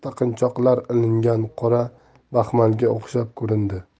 taqinchoqlar ilingan qora baxmalga o'xshab ko'rindi